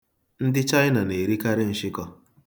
Ndị Chaịna na-erikarị nshịkọ.